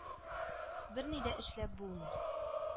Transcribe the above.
Берни дә эшләп булмый